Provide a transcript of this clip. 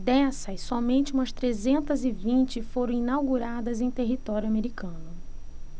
dessas somente umas trezentas e vinte foram inauguradas em território americano